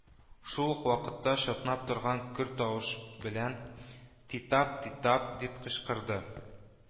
Шул ук вакытта чатнап торган көр тавыш белән: — Титап! Титап! — дип кычкырды